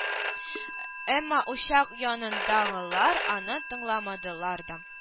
Әмма учак янындагылар аны тыңламадылар да